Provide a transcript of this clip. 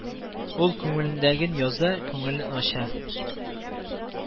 Ул күңелендәген яза, күңелен ача